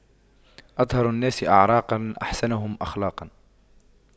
أطهر الناس أعراقاً أحسنهم أخلاقاً